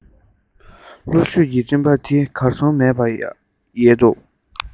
ལྷོ བཞུད ཀྱི སྤྲིན པ དེ གར སོང མེད པར ཡལ འདུག